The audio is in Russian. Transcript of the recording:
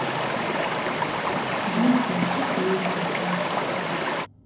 тебе еще учиться и учиться